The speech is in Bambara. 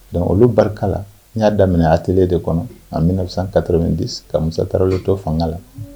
Don olu barika la n' y'a daminɛ a t de kɔnɔ an bɛna fisa san kata min di ka mu taara to fanga la